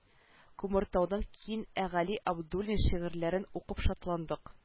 Күмертаудан кин әгали абдуллин шигырьләрен укып шатландык